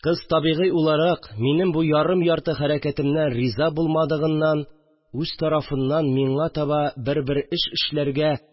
Кыз, табигый уларак, минем бу ярым-ярты хәрәкәтемнән риза булмадыгыннан, үз тарафыннан миңа таба бер-бер эш эшләргә